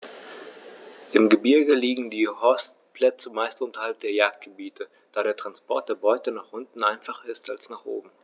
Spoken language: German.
Im Gebirge liegen die Horstplätze meist unterhalb der Jagdgebiete, da der Transport der Beute nach unten einfacher ist als nach oben.